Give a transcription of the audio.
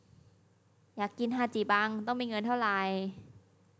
อยากกินฮาจิบังต้องมีเงินเท่าไร